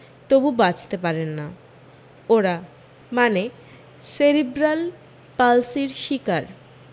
তবু বাঁচতে পারেন না ওঁরা মানে সেরিব্রাল পালসির শিকার